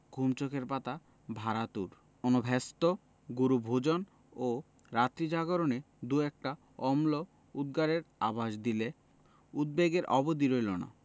ঘুমে চোখের পাতা ভারাতুর অনভ্যস্ত গুরু ভোজন ও রাত্রি জাগরণে দু একটা অম্ল উদগারের আভাস দিলে উদ্বেগের অবধি রইল না